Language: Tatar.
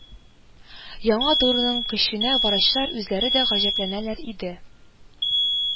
Яңа даруның көченә врачлар үзләре дә гаҗәпләнәләр иде